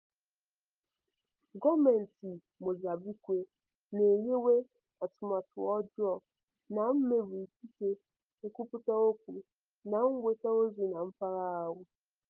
Gọọmentị Mozambique na-ehiwe atụmatụ ọjọọ na mmegbu ikike nkwupụta okwu na nnweta ozi na mpaghara ahụ.